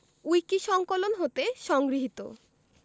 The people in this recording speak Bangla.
উইকিসংকলন হতে সংগৃহীত